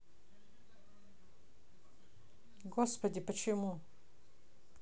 господи почему